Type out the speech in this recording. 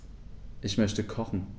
Ich möchte kochen.